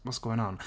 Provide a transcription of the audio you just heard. What's going on?